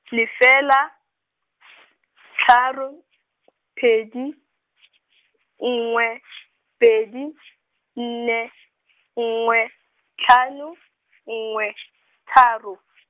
lefela , tharo , pedi , nngwe, pedi, nne, nngwe, tlhano, nngwe, tharo.